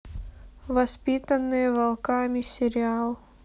воспитанные волками сериал